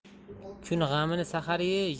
kun g'amini sahar ye